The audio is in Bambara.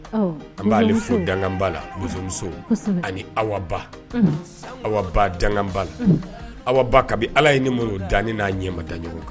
An bɛale fo danba lamuso ani aw ba aw ba danba aw ba kabi ala ye ni muru danani n'a ɲɛmada ɲɔgɔn kan